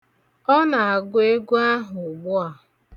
Ọ na-agụ egwu ahụ ugbua.